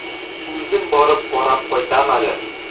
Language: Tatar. Үзем барып карап кайтам әле.